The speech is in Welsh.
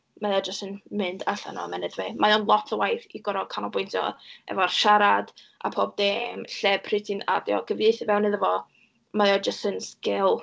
mae o jyst yn mynd allan o ymennydd fi. Mae o'n lot o waith i gorod canolbwyntio efo'r siarad a pob dim lle pryd ti'n adio cyfieithu fewn iddo, fo, mae o jyst yn sgil.